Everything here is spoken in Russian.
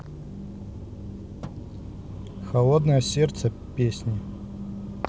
холодное сердце песни